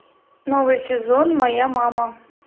новый сезон моя мама